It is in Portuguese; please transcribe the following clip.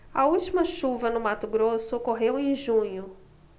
a última chuva no mato grosso ocorreu em junho